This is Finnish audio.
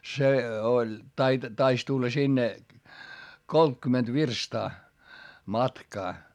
se oli - taisi tulla sinne kolmekymmentä virstaa matkaa